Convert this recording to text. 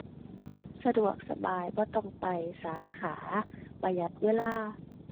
สะดวกสบาย บ่ต้องไปสาขา ประหยัดเวลา